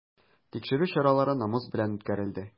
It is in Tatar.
Тикшерү чаралары намус белән үткәрелде.